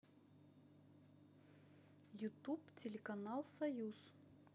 ютуб телеканал союз